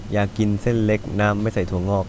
อยากกินเส้นเล็กน้ำไม่ใส่ถั่วงอก